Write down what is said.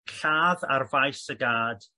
lladd ar faes y gad.